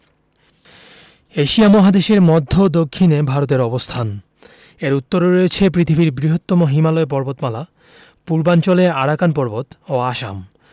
Asia মহাদেশের মদ্ধ্য দক্ষিনে ভারতের অবস্থানএর উত্তরে রয়েছে পৃথিবীর বৃহত্তম হিমালয় পর্বতমালা পূর্বাঞ্চলে আরাকান পর্বত ও আসাম